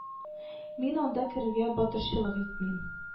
Мин анда керергә батырчылык итмим